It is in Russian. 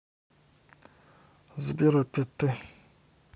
сбер опять ты